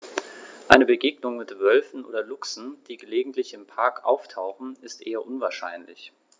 Eine Begegnung mit Wölfen oder Luchsen, die gelegentlich im Park auftauchen, ist eher unwahrscheinlich.